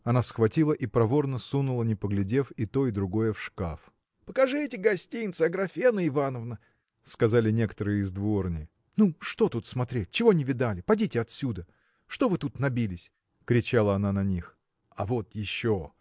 Она схватила и проворно сунула, не поглядев, и то и другое в шкаф. – Покажите гостинцы Аграфена Ивановна – сказали некоторые из дворни. – Ну что тут смотреть? Чего не видали? Подите отсюда! Что вы тут набились? – кричала она на них. – А вот еще!